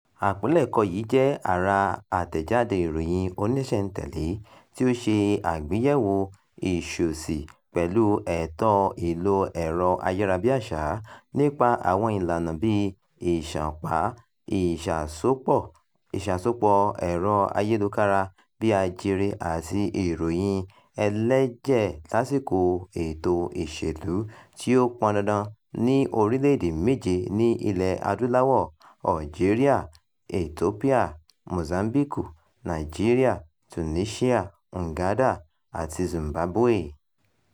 Àpilẹ̀kọ yìí jẹ́ ara àtẹ̀jádé ìròyìn oníṣísẹ̀ntẹ̀lé tí ó ń ṣe àgbéyẹ̀wò ìṣúsí pẹ̀lú ẹ̀tọ́ ìlò ẹ̀rọ-ayárabíàṣá nípa àwọn ìlànà bíi ìṣánpa ìṣàsopọ̀ ẹ̀rọ ayélukára-bí-ajere àti ìròyìn ẹlẹ́jẹ̀ lásìkò ètò ìṣèlú tí ó pọn dandan ní orílẹ̀-èdè méje ní Ilẹ̀-Adúláwọ̀: Algeria, Ethiopia, Mozambique, Nàìjíríà, Tunisia, Uganda, àti Zimbabwe.